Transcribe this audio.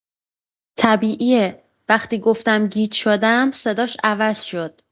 طبیعیه، وقتی گفتم گیج شدم صداش عوض شد.